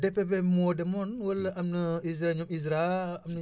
DPV moo demoon wala am na lu si mel ni ISRA